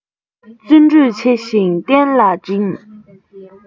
བརྩོན འགྲུས ཆེ ཞིང བརྟན ལ གྲིམས